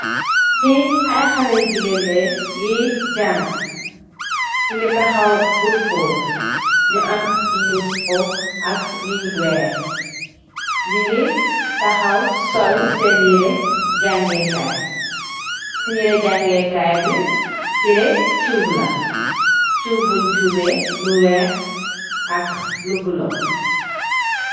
Ñii ay xale yu jigéen lañg yuy jaañgë, ñu ngi taxaw gurupoo, mu am nit ñu ñuul ak nit ñu weex, ñu taxaw sol seen yire jañgë kaay. Seen yiree jangee kaay, cuub la. Cuub buñg cuub bee lu weex ak lu bulo.